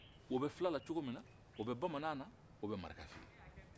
o bɛ fula la cogo min na o bɛ bamanan na o bɛ maraka fɛ yen